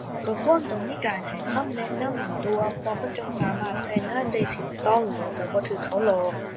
ก็ควรต้องมีการให้คำแนะนำนั่นตั่ว เพราะว่ามันจั่งสามารถก็งานได้ก็ต้อง แล้วก็บ่ก็เขาหลอก